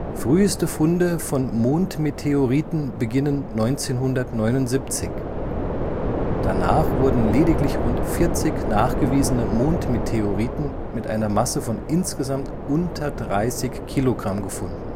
Früheste Funde von Mondmeteoriten beginnen 1979, danach wurden lediglich rund 40 nachgewiesene Mondmeteoriten mit einer Masse von insgesamt unter 30 Kilogramm gefunden